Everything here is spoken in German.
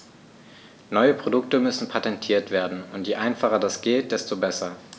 Neue Produkte müssen patentiert werden, und je einfacher das geht, desto besser.